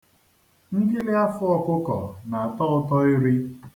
Ngịlịafọ ọkụkọ na-atọ ụtọ iri.